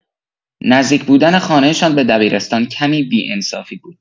نزدیک بودن خانه‌شان به دبیرستان کمی بی‌انصافی بود.